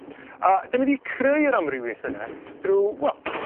A 'dyn ni 'di creu'r amrywieth yne drw wel